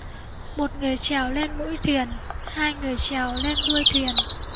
một người trèo lên mũi thuyền hai người trèo lên đuôi thuyền